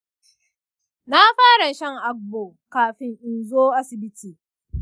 na fara shan agbo kafin in zo asibiti.